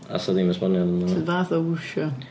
A does 'na ddim esboniad amdano... Sut fath o wwsio?